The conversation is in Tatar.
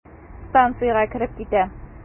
Станциягә кереп китә.